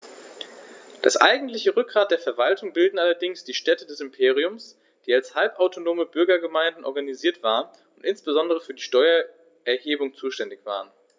Das eigentliche Rückgrat der Verwaltung bildeten allerdings die Städte des Imperiums, die als halbautonome Bürgergemeinden organisiert waren und insbesondere für die Steuererhebung zuständig waren.